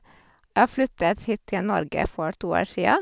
Jeg flyttet hit til Norge for to år sia.